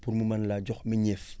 pour mu mën laa jox meññeef